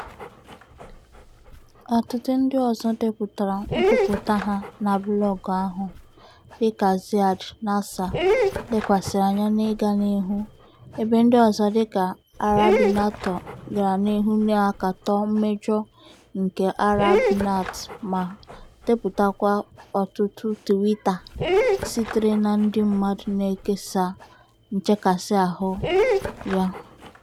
Ọtụtụ ndị ọzọ depụtara nkwupụta ha na blọọgụ ahụ: dịka Ziad Nasser lekwasịrị anya n'ịga n'ihu, ebe ndị ọzọ dịka Arabinator gara n'ihu na-akatọ mmejọ nke Arabnet ma depụtakwa ọtụtụ tweet[ar] sitere na ndị mmadụ na-ekesa nchekasịahụ ya.